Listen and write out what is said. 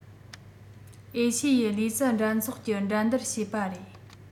ཨེ ཤེ ཡའི ལུས རྩལ འགྲན ཚོགས ཀྱི འགྲན བསྡུར བྱས པ རེད